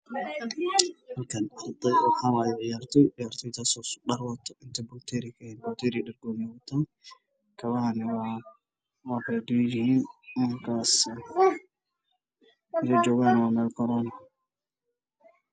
Waa garoon waxaa jooga niman wataan dhar jaalo